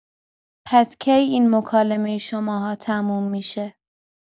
پس کی این مکالمه شماها تموم می‌شه؟